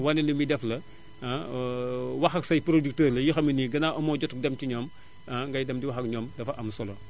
wane li muy def la ah wax ak say producteurs la yi nga xam ne nii ganaaw amoo jotu dem ci ñoom ah ngay dem di wax ak ñoom dafa am solo